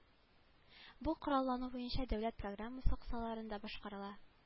Бу кораллану буенча дәүләт программасы кысаларында башкарыла